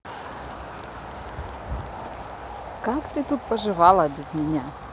как тут поживала без меня